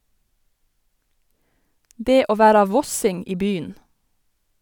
Det å vera vossing i by'n.